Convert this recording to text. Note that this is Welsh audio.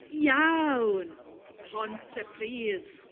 Iawn, Pontypridd.